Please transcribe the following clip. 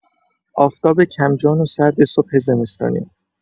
آفتاب کم‌جان و سرد صبح زمستانی